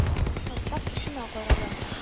Состав очына карадым.